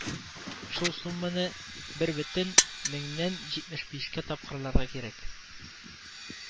Шул сумманы бер бөтен меңнән җитмеш бишкә тапкырларга кирәк